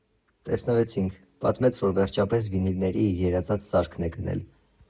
Տեսնվեցինք, պատմեց, որ վերջապես վինիլների իր երազած սարքն է գնել։